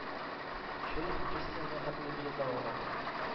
Шиловка пристанена хәтле билетлар ала тор.